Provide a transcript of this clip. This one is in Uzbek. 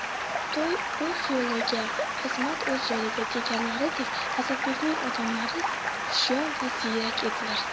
to'y o'z yo'liga xizmat o'z yo'liga deganlaridek asadbekning odamlari hushyor va ziyrak edilar